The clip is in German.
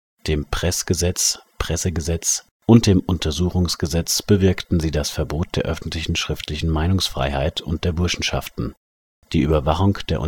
dem Preßgesetz (Pressegesetz) und dem Untersuchungsgesetz, bewirkten sie das Verbot der öffentlichen schriftlichen Meinungsfreiheit und der Burschenschaften, die Überwachung der